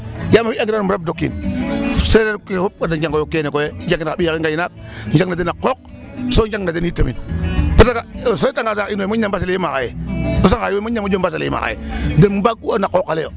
Yaam a fi'angiran rabid o kiin seereer ke fop fat da njangoyo kene koy jangin xa ɓiy axe ngaynaak, njangna den a qooq so jangna den i tamit .Parce que o sooytanga saax in we moƴna bacheliers xaye a Sangaye we moƴna moƴo Bachelier ama xaye den mbaag'u na qooq ale yo .